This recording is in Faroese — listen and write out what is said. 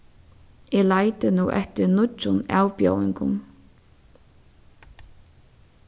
eg leiti nú eftir nýggjum avbjóðingum